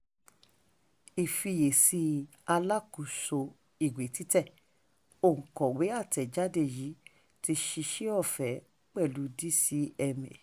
Ìfiyèsí Alákòóso Ìwé Títẹ̀: Òǹkọ̀wé àtẹ́jádé yìí ti ṣiṣẹ́ ọ̀fẹ́ pẹ̀lú DCMA.